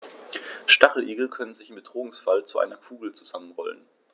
Stacheligel können sich im Bedrohungsfall zu einer Kugel zusammenrollen.